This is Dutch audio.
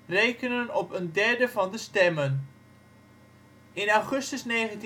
rekenen op een derde van de stemmen. In augustus 1929